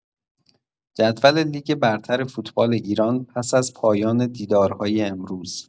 جدول لیگ برتر فوتبال ایران پس‌از پایان دیدارهای امروز